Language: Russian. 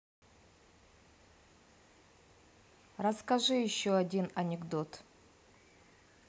расскажи еще один анекдот